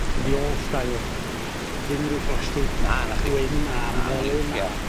the old style. Dim ryw blastic... Na 'na chdi. ...gwyn a melyn a. Ia.